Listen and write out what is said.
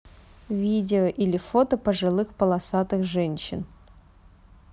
видео или фото пожилых полосатых женщин